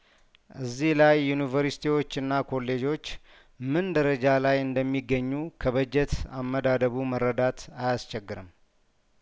እዚህ ላይ ዩኒቨርስቲዎችና ኮሌጆችምን ደረጃ ላይ እንደሚገኙ ከበጀት አመዳደቡ መረዳት አያስቸግርም